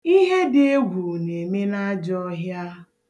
Ihe dị egwu na-eme n'ajọọhịa.